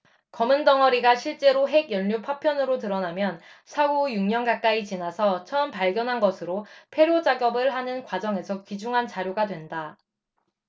검은 덩어리가 실제로 핵연료 파편으로 드러나면 사고 후 육 년 가까이 지나서 처음 발견한 것으로 폐로작업을 하는 과정에서 귀중한 자료가 된다